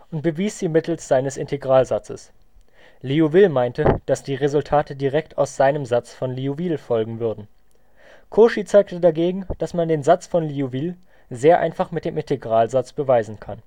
bewies sie mittels seines Integralsatzes. Liouville meinte, dass die Resultate direkt aus seinem Satz von Liouville folgen würden. Cauchy zeigte dagegen, dass man den Satz von Liouville sehr einfach mit dem Integralsatz beweisen kann